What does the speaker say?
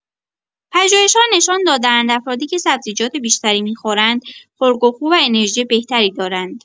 پژوهش‌‌ها نشان داده‌اند افرادی که سبزیجات بیشتری می‌خورند، خلق و خو و انرژی بهتری دارند.